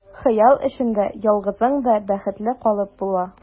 Хыял эчендә ялгызың да бәхетле калып була.